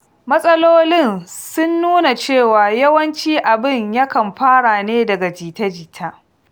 Matsalolin sun nuna cewa yawanci abin ya kan fara ne daga jita-jita.